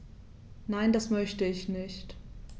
Nein, das möchte ich nicht.